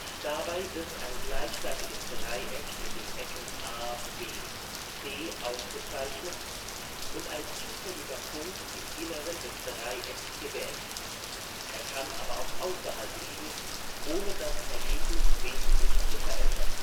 Dabei wird ein gleichseitiges Dreieck mit den Ecken A, B, C aufgezeichnet und ein zufälliger Punkt im Inneren des Dreiecks gewählt (er kann aber auch außerhalb liegen, ohne das Ergebnis wesentlich zu verändern